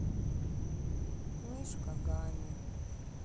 мишка гамми